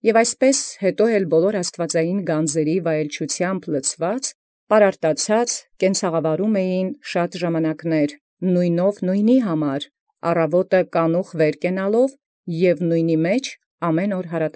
Եւ այնպէս յառաջ՝ ամենայն աստուածեղէն գանձուցն վայելչութեամբք լցեալք, պարարտացեալք, խաղացեալք գնային ի բազում ժամանակս՝ նովին ի նոյն կանխեալք, ի նմին հանապազորդեալք։